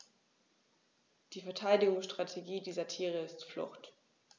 Die Verteidigungsstrategie dieser Tiere ist Flucht.